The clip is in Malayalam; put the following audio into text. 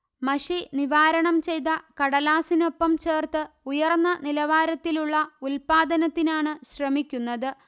മഷി നിവാരണം ചെയ്ത കടലാസിനൊപ്പം ചേർത്ത് ഉയർന്ന നിലവാരത്തിലുള്ള ഉല്പാദനത്തിനാണ് ശ്രമിക്കുന്നത്